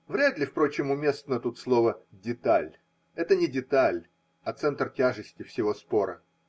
Вряд ли, впрочем, уместно тут слово деталь: это не деталь, а центр тяжести всего спора.